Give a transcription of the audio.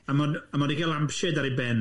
A mae o- a mae o 'di cael lampshêd ar ei ben.